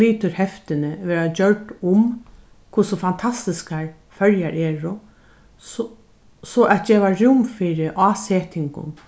gliturheftini verða gjørd um hvussu fantastiskar føroyar eru so so at geva rúm fyri ásetingum